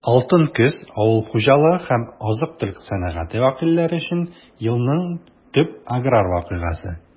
«алтын көз» - авыл хуҗалыгы һәм азык-төлек сәнәгате вәкилләре өчен елның төп аграр вакыйгасы.